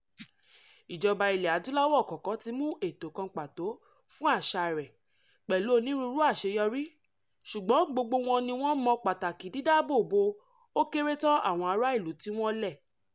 Ìjọba ilẹ̀ Adúláwò kọ̀ọ̀kan ti mú ètò kan pàtó fún àṣà rẹ̀, pẹ̀lú onírúurú àṣeyọrí, ṣùgbọ́n gbogbo wọn ni wọ́n mọ pàtàkì dídáábòbò ó kéré tán àwọn ará ìlú tí wọ́n lẹ.